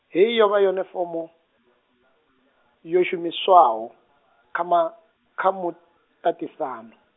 hei yo vha yone fomo, yo shumishwaho, ka ma-, kha muṱaṱisano.